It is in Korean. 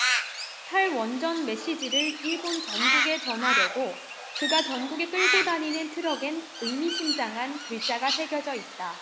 탈원전 메시지를 일본 전국에 전하려고 그가 전국에 끌고 다니는 트럭엔 의미심장한 글자가 새겨져 있다